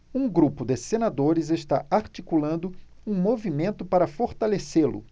um grupo de senadores está articulando um movimento para fortalecê-lo